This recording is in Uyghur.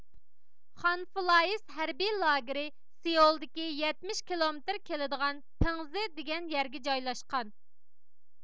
خانفۇلايىس ھەربىي لاگېرى سېئۇلدىكى يەتمىش كىلومېتىر كېلىدىغان پىڭزې دېگەن يەرگە جايلاشقان